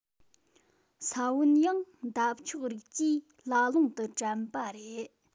ས བོན ཡང འདབ ཆགས རིགས ཀྱིས ལ ལུང དུ གྲམ པ རེད